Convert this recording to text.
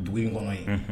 Dugu in kɔnɔ ye, unhun.